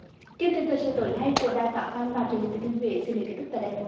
chương trình thời sự tối nay của đài phát thanh và truyền hình thừa thiên huế xin được kết thúc tại đây